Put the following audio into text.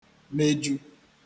meju